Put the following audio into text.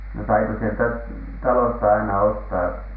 no saiko sieltä talosta aina ostaa